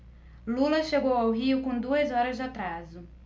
lula chegou ao rio com duas horas de atraso